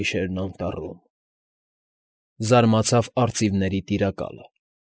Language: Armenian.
Գիշերն անտառում,֊ զարմացավ արծիվների Տիրակալը։